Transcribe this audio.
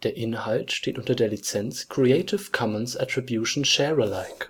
Inhalt steht unter der Lizenz Creative Commons Attribution Share